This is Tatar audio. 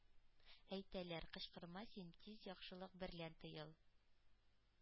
Әйтәләр: «Кычкырма син, тиз яхшылык берлән тыел!